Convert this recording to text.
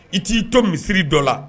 I t'i to misisiriri dɔ la